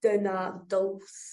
dyna dose